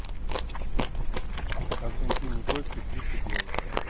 константин никольский птицы белые